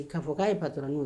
I k'a fɔ ko'a ba dɔrɔnin ye